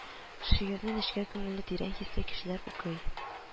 Шигырьне нечкә күңелле, тирән хисле кешеләр укый